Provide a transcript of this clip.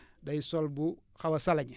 day sol bu xaw a salañe